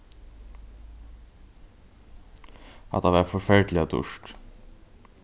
hatta var forferdiliga dýrt